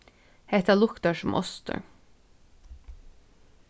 hetta luktar sum ostur